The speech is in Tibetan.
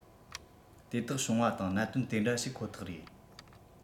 དེ དག བྱུང བ དང གནད དོན དེ འདྲ ཞིག ཁོ ཐག རེད